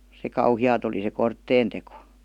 se kauheaa oli se kortteen teko